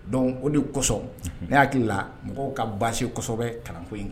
Don o de kosɔn ne hakili la mɔgɔw ka baasi kɔ kosɛbɛ kalanko in kan